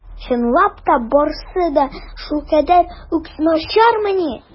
Чынлап та барысы да шулкадәр үк начармыни?